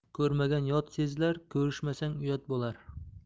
ko'rmagan yot sezilar ko'rishmasang uyat bo'lar